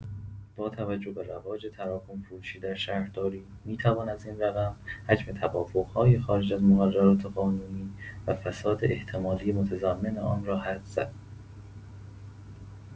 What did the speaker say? با توجه به رواج تراکم‌فروشی در شهرداری، می‌توان از این رقم، حجم توافق‌های خارج از مقررات قانونی و فساد احتمالی متضمن آن را حدس زد.